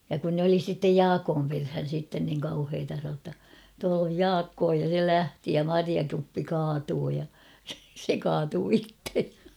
ja kun ne oli sitten Jaakon perään sitten niin kauheaa sanoi jotta tuolla on Jaakko ja se lähti ja marjakuppi kaatui ja se kaatui itse ja